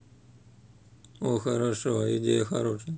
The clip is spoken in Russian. о хорошо идея хорошая